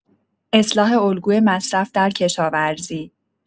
اصلاح الگوی مصرف در کشاورزی